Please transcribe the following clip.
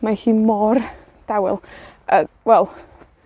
mae hi mor, dawel, yy, wel,